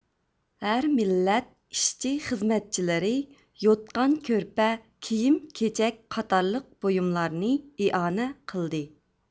ھەر مىللەت ئىشچى خىزمەتچىلىرى يوتقان كۆرپە كىيىم كېچەك قاتارلىق بۇيۇملارنى ئىئانە قىلدى